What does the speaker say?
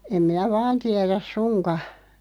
en minä vain tiedä suinkaan